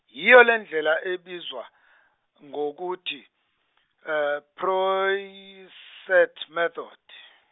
yiyo lendlela ebizwa , ngokuthi Proyset method.